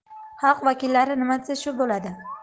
xalq vakillari nima desa shu bo'ladi